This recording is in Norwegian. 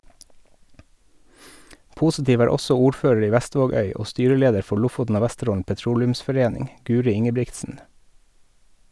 Positiv er også ordfører i Vestvågøy og styreleder for Lofoten og Vesterålen Petroleumsforening, Guri Ingebrigtsen.